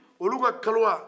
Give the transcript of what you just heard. olu ka kaliwa